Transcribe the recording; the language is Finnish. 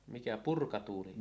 mikä purkatuuli